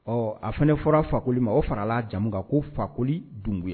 Ɔ a fana fɔra fakoli ma, o fana fara la a jamu kan ko fakoli Dunbuya.